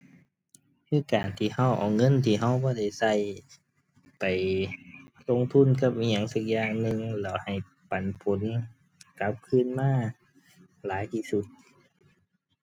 คือการที่เรา เอาเงินที่เราบ่ได้เรา ไป ลงทุนกับอิหยังซักอย่างหนึ่งแล้วให้ปันผลกลับคืนมาหลายที่สุด